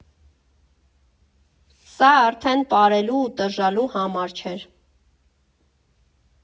Սա արդեն պարելու ու տժժալու համար չէր։